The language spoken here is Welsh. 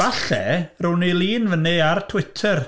Falle, rhown ni lun fyny ar Twitter.